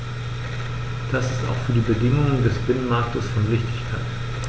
Das ist auch für die Bedingungen des Binnenmarktes von Wichtigkeit.